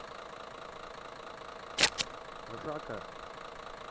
ржака